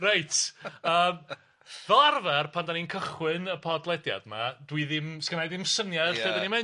Reit yym fel arfer, pan 'dan ni'n cychwyn y podlediad 'ma, dwi ddim sgynna i ddim syniad lle 'dan ni'n mynd...